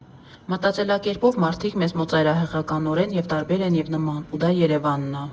Մտածելակերպով մարդիկ մեզ մոտ ծայրահեղականորեն և՛ տարբեր են, և՛ նման, ու դա Երևանն ա։